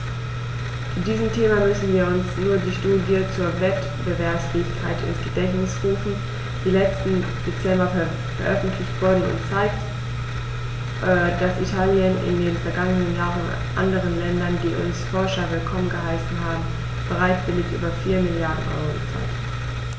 Zu diesem Thema müssen wir uns nur die Studie zur Wettbewerbsfähigkeit ins Gedächtnis rufen, die letzten Dezember veröffentlicht wurde und zeigt, dass Italien in den vergangenen Jahren anderen Ländern, die unsere Forscher willkommen geheißen haben, bereitwillig über 4 Mrd. EUR gezahlt hat.